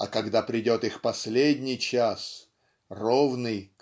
А когда придет их последний час Ровный